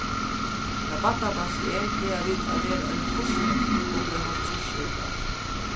tá barnadansur er plaga vit at vera eini fýrs fólk og umleið hálvtrýss eru børn